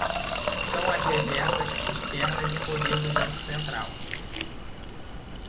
são as reservas externas em poder do banco central